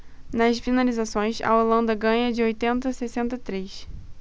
nas finalizações a holanda ganha de oitenta a sessenta e três